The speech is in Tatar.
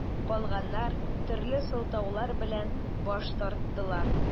Калганнар төрле сылтаулар белән баш тарттылар.